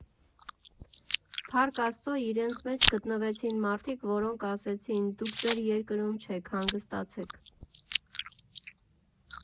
Փառք Աստծո, իրենց մեջ գտնվեցին մարդիկ, որոնք ասեցին՝ «դուք ձեր երկրում չեք, հանգստացեք…